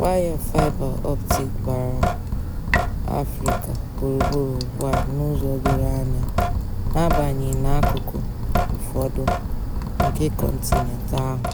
Waya fiber optic gbara Afrịka gburugburu ugbu a n'ụzọ doro anya, n'agbanyeghị na akụkụ ụfọdụ nke kọntinent ahụ